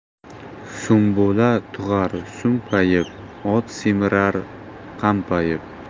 sumbula tug'ar sumpayib ot semirar qampayib